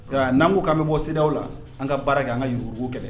N'an ko' bɛ bɔ sew la an ka baara kɛ an ka yugu kɛlɛ